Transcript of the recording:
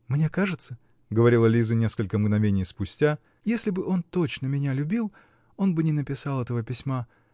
-- Мне кажется, -- говорила Лиза несколько мгновений спустя, -- если бы он точно меня любил, он бы не написал этого письма